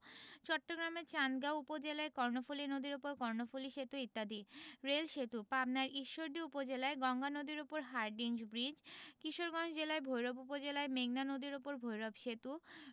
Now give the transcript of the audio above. চট্টগ্রামের চান্দগাঁও উপজেলায় কর্ণফুলি নদীর উপর কর্ণফুলি সেতু ইত্যাদি রেল সেতুঃ পাবনার ঈশ্বরদী উপজেলায় গঙ্গা নদীর উপর হার্ডিঞ্জ ব্রিজ কিশোরগঞ্জ জেলায় ভৈরব উপজেলায় মেঘনা নদীর উপর ভৈরব সেতু